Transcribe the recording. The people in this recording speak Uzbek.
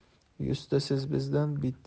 yuzta siz bizdan